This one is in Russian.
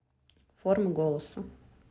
формы голоса